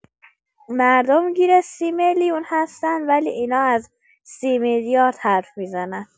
مردم گیر ۳۰ میلیون هستن ولی اینا از ۳۰ میلیارد حرف می‌زنن.